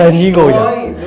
là nhi ngồi